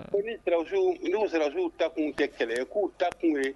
Ko nisiw sirarasiww ta kun kɛ kɛlɛ k'u ta kun ye